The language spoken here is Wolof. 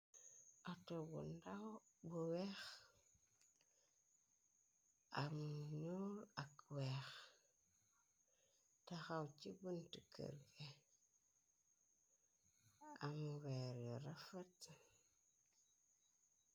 Auto bu ndaw bu weex am ñool ak weex taxaw ci bënt kërge am weer yu rafet.